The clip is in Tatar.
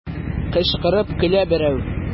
Кычкырып көлә берәү.